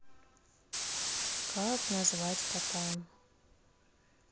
как назвать кота